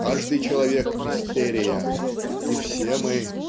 каждый человек - мистерия, и все мы.